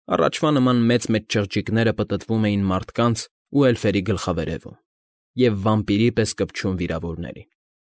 Առաջվա նման մեծ֊մեծ չղջիկները պտտվում էին մարդկանց ու էլֆերի գլխավերևում և վամպիրի պես կպչում վիրավորներին։